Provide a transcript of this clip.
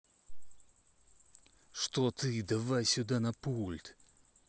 что ты давай сюда на пульт